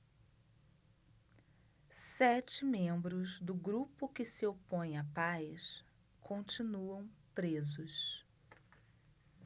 sete membros do grupo que se opõe à paz continuam presos